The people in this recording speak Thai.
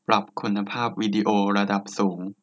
ปรับคุณภาพวิดีโอระดับสูง